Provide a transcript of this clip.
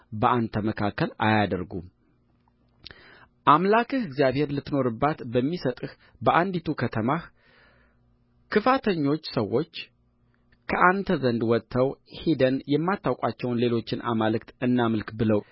በአንተ መካከል አያደርጉም አምላክህ እግዚአብሔር ልትኖርባት በሚሰጥህ በአንዲቱ ከተማህ ክፋተኞች ሰዎች ከእናንተ ዘንድ ወጥተው ሄደን የማታውቋቸውን ሌሎችን አማልክት እናምልክ ብለው